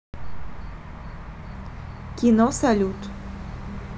кино салют